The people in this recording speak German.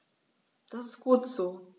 Das ist gut so.